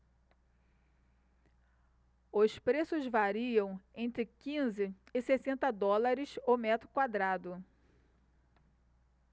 os preços variam entre quinze e sessenta dólares o metro quadrado